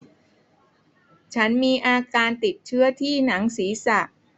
ฉันมีอาการติดเชื้อที่หนังศีรษะ